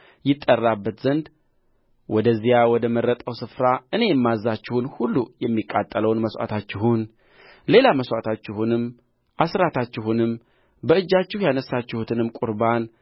ይጠራበት ዘንድ ወደዚያ ወደ መረጠው ስፍራ እኔ የማዝዛችሁን ሁሉ የሚቃጠለውን መሥዋዕታችሁን ሌላ መሥዋዕታችሁንም አሥራታችሁንም በእጃችሁ ያነሣችሁትንም ቍርባን